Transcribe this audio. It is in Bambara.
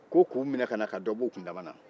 ko k'u minɛ ka na ka dɔ bɔ u kuntama na